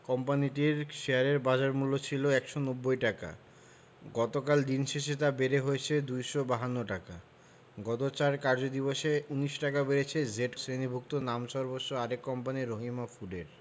কোম্পানিটির শেয়ারের বাজারমূল্য ছিল ১৯০ টাকা গতকাল দিন শেষে তা বেড়ে হয়েছে ২৫২ টাকা গত ৪ কার্যদিবসে ১৯ টাকা বেড়েছে জেড শ্রেণিভুক্ত নামসর্বস্ব আরেক কোম্পানি রহিমা ফুডের